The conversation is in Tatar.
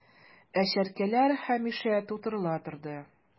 Ә чәркәләр һәмишә тутырыла торды...